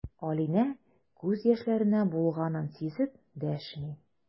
Алинә күз яшьләренә буылганын сизеп дәшми.